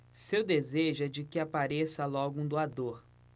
seu desejo é de que apareça logo um doador